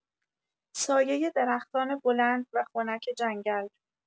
سایۀ درختان بلند و خنک جنگل